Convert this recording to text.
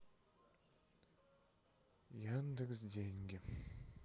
яндекс деньги